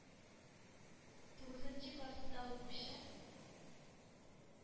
Тугызынчы классында укучы